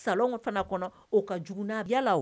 Salon fana kɔnɔ o ka jugu n'a bɛɛ ye. Yala wo ?